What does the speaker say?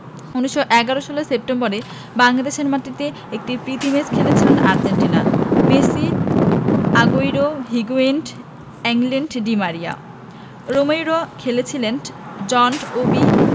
১৯১১ সালের সেপ্টেম্বরে বাংলাদেশের মাটিতে একটি প্রীতি ম্যাচ খেলেছিল Argentina Messi Aguero Higuain Angel Di Maria রোমেরোরা খেলেছিলেন জন ওবি